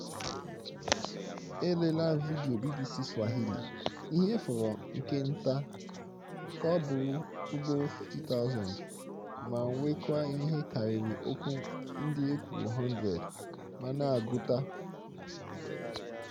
E leela vidio BBC Swahili ihe fọrọ nke nta ka ọ bụrụ ugboro 50,000 ma nwee kwa ihe karịrị okwu ndị e kwuru 100 ma na-agụta.